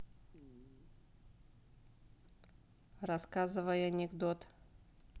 рассказывай анекдот